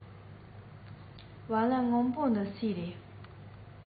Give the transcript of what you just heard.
སྦ ལན སྔོན པོ འདི སུའི རེད